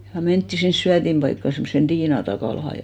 ja mentiin sinne syötinpaikkaan semmoiseen Tiina Takalaan ja